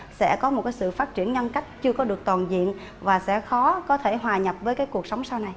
sẽ có một cái sự phát triển nhân cách chưa có được toàn diện và sẽ khó có thể hòa nhập với cái cuộc sống sau này